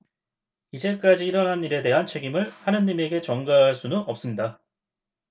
이제까지 일어난 일에 대한 책임을 하느님에게 전가할 수는 없습니다